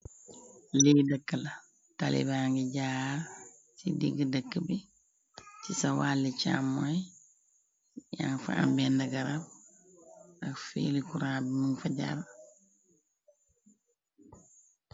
Lii dëkka la, tali ba ngi jaar ci diggi dëkka bi, ci sa wàlli càmmoy ya fa menni garab ak feeli kuraa bi mun fajar.